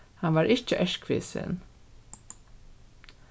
hann var ikki erkvisin